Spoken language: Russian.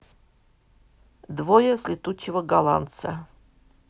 двое с летучего голландца